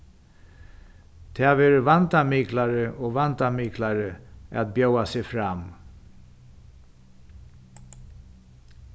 tað verður vandamiklari og vandamiklari at bjóða seg fram